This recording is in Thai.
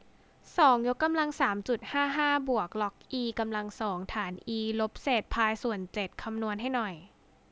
สองยกกำลังสามจุดห้าห้าบวกล็อกอีกำลังสองฐานอีลบเศษพายส่วนเจ็ดคำนวณให้หน่อย